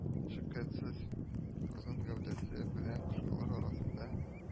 Шөкәтсез озын гәүдәсе белән башкалар арасында